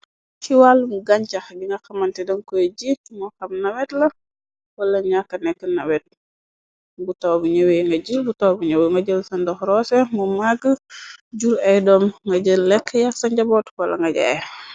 Ci wàllu gàñcax di nga xamante dan koy ji mo xam nawet la wala ñàka nekk nawet bu taw bu ñëwee nga ji bu taw bu ñë nga jël sa ndox roosé mu magg jur ay doom nga jël lekk yax sa njaboot wala nga jaay.